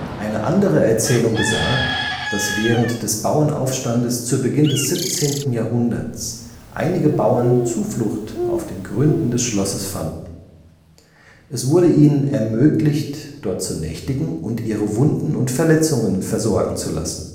Eine andere Erzählung besagt, dass während des Bauernaufstandes zu Beginn des 17. Jahrhunderts einige Bauern Zuflucht auf den Gründen des Schlosses fanden. Es wurde ihnen ermöglicht, dort zu nächtigen und ihre Wunden und Verletzungen versorgen zu lassen